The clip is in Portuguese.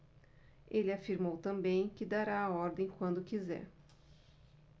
ele afirmou também que dará a ordem quando quiser